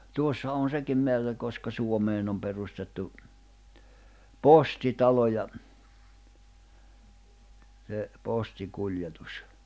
tuossa on sekin määrä koska Suomeen on perustettu postitalo ja se postikuljetus